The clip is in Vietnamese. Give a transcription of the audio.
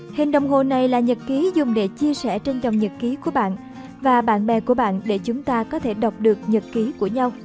hình đồng hồ này là nhật ký dùng để chia sẻ trên dòng nhật ký của bạn và bạn bè của bạn để chúng ta có thể đọc được nhật ký của nhau